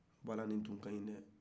bala ni tun kaɲi dehh